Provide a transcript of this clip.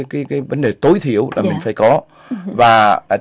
cái cái vấn đề tối thiểu là mình phải có và